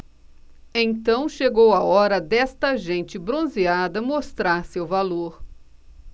então chegou a hora desta gente bronzeada mostrar seu valor